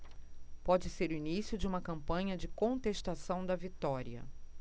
pode ser o início de uma campanha de contestação da vitória